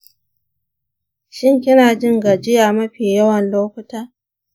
shin kina jin gajiya mafi yawan lokuta?